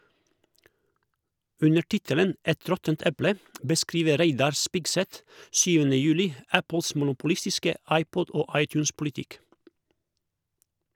Under tittelen «Et råttent eple» beskriver Reidar Spigseth 7. juli Apples monopolistiske iPod- og iTunes-politikk.